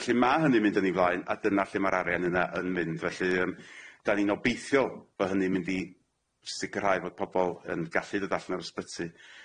Felly ma' hynny'n mynd yn ei flaen a dyna lle ma'r arian yna yn mynd felly yym dan ni obeithiol fod hyny'n mynd i sicirhau fod pobol yn gallu dod allan yr ysbyty.